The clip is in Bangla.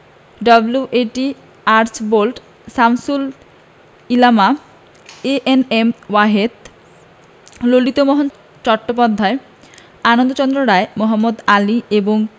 W A T. Archbold Shamsul Ulama A N M Wahed Lalitmohan Chattopadhyay Anandachandra Roy Mohammad Ali এবং